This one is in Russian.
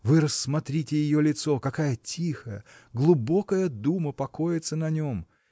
Вы рассмотрите ее лицо: какая тихая, глубокая дума покоится на нем!